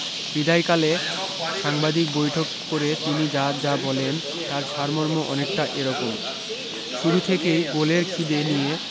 বিদায় কালে সাংবাদিক বৈঠক করে তিনি যা যা বলেন তার সারমর্ম অনেকটা এ রকম শুরু থেকেই গোলের খিদে নিয়ে